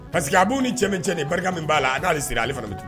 Parceri que a b'u ni cɛ min cɛ nin barika min b'a la a k'ale siri ale fana